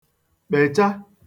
kpècha